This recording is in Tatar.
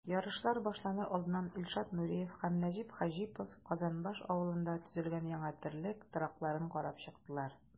Ярышлар башланыр алдыннан Илшат Нуриев һәм Нәҗип Хаҗипов Казанбаш авылында төзелгән яңа терлек торакларын карап чыктылар.